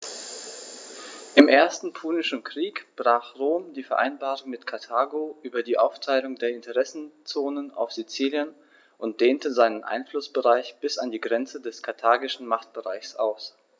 Im Ersten Punischen Krieg brach Rom die Vereinbarung mit Karthago über die Aufteilung der Interessenzonen auf Sizilien und dehnte seinen Einflussbereich bis an die Grenze des karthagischen Machtbereichs aus.